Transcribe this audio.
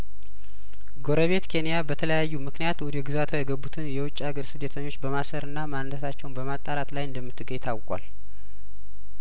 ጐረቤት ኬንያ በተለያዩ ምክንያት ወደ ግዛቷ የገቡትን የውጭ አገር ስደተኞች በማሰርና ማንነታቸውን በማጣራት ላይ እንደምትገኝ ታውቋል